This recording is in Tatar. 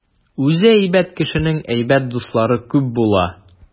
Үзе әйбәт кешенең әйбәт дуслары күп була.